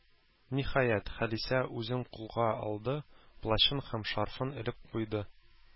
Ниһаять, Халисә үзен кулга алды, плащын һәм шарфын элеп куйды.